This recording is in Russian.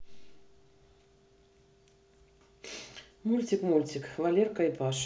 мультик мультик валерка и паша